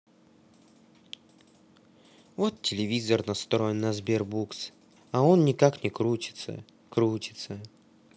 вот телевизор настроен на sberbox а он никак не крутится крутится